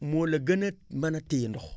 moo la gën a mën a téye ndox